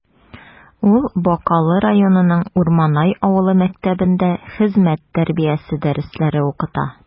Ул Бакалы районының Урманай авылы мәктәбендә хезмәт тәрбиясе дәресләре укыта.